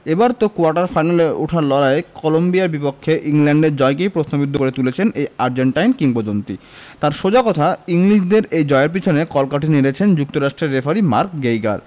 এবার তো কোয়ার্টার ফাইনালে ওঠার লড়াইয়ে কলম্বিয়ার বিপক্ষে ইংল্যান্ডের জয়কেই প্রশ্নবিদ্ধ করে তুলেছেন এই আর্জেন্টাইন কিংবদন্তি তাঁর সোজা কথা ইংলিশদের এই জয়ের পেছনে কলকাঠি নেড়েছেন যুক্তরাষ্ট্রের রেফারি মার্ক গেইগার